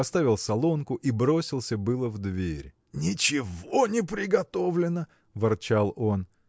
поставил солонку и бросился было в дверь. – Ничего не приготовлено! – ворчал он.